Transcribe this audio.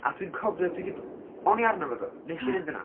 A dwi'n cofio, dwi di b- o'n i arno fo, do? Wnes i fynd yna.